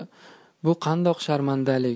bu qandoq sharmandalik